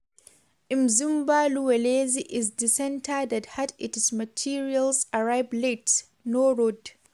# Mzimba Luwelezi is the centre that had its materials arrive late – no road.